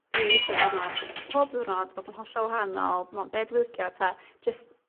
Dw i isio diwrnod pob diwrnod fod yn hollol wahanol ch'mo' be' dwi licio 'ta jyst